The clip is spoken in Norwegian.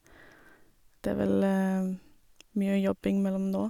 Det er vel mye å jobbing mellom nå.